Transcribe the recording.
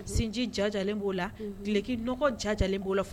Sinji ja lajɛlenlen b'o lakiɔgɔ jajalen b'o la fɔ